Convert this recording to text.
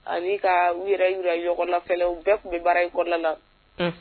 Ani ka u yɛrɛ jira ɲɔgɔn na ka na u bɛɛ tun bɛ baara kɛ kɔnɔna na